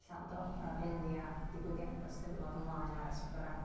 Llawn dop o raglenni a digwyddiadau Steddfod ymlaen ar S4C.